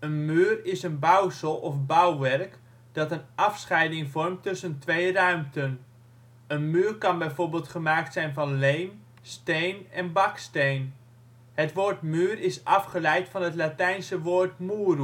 muur is een bouwsel of bouwwerk dat een afscheiding vormt tussen twee ruimten. Een muur kan bijvoorbeeld gemaakt zijn van leem, steen en baksteen. Het woord muur is afgeleid van het Latijnse woord murus